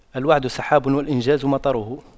الوعد سحاب والإنجاز مطره